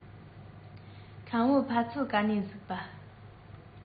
ཁམ བུ ཕ ཚོ ག ནས གཟིགས པ